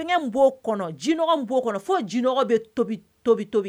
Kɔnɔ fo jinɛ bɛ